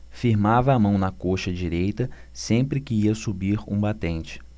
firmava a mão na coxa direita sempre que ia subir um batente